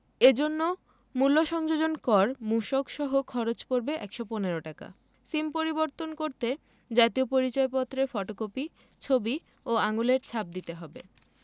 এ জন্য মূল্য সংযোজন কর মূসক সহ খরচ পড়বে ১১৫ টাকা সিম পরিবর্তন করতে জাতীয় পরিচয়পত্রের ফটোকপি ছবি ও আঙুলের ছাপ দিতে হবে